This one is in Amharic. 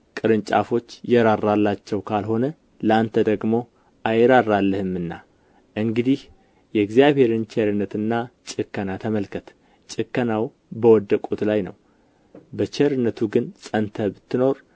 ቅርንጫፎች የራራላቸው ካልሆነ ለአንተ ደግሞ አይራራልህምና እንግዲህ የእግዚአብሔርን ቸርነትና ጭከና ተመልከት ጭከናው በወደቁት ላይ ነው በቸርነቱ ግን ጸንተህ ብትኖር